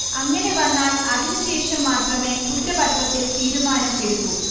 അങ്ങനെ വന്നാൽ അതിന് ശേഷം മാത്രമേ കുറ്റപത്രത്തിൽ തീരുമാനം എടുക്കൂ